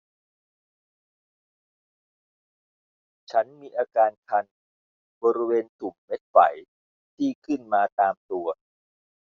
ฉันมีอาการคันบริเวณตุ่มเม็ดไฝที่ขึ้นมาตามตัว